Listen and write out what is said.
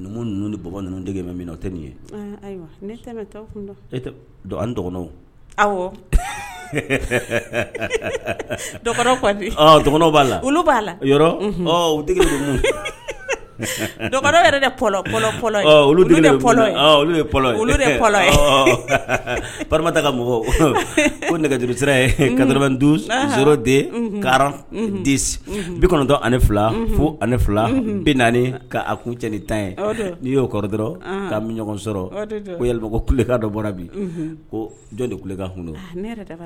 Numu ninnu ni b ninnu dege min tɛ nin ye b'a la b'a la oluta ka mɔgɔ ko nɛgɛjuru kan dun de ka bitɔn kɔnɔntɔn ani fila fo ani fila bɛ naani ka a kun ti ni tan ye n'i y'o kɔrɔ dɔrɔn' ɲɔgɔn sɔrɔ o yalibɔ ko kuleka dɔ bɔra bi ko jɔn de kulekan hun